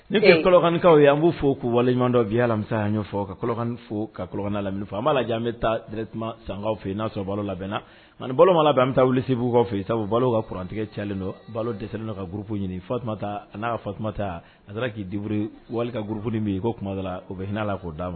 Nilɔnkanikaw ye an b'o fɔ k'u waleɲuman ɲɔgɔndɔ bi' alamisa' ɲɛfɔfɔ kalɔnkanin fo ka kɔlɔlɔnkan lamini fɔ a b'a la an bɛ taa dtuma sankaw fɛ n'a sɔrɔ balo labɛnna mali baloma la bɛ an bɛ taa wuli se fɛ yen' balo kaurantigɛ calen don balo dɛsɛ ka gurufu ɲini fatuma a n'a ka fatuma ta a k'iburu wali ka guruf kunnafoni bɛ koda u bɛ hinɛ la k'o'a ma